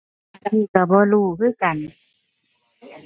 อันนี้ก็บ่รู้คือกัน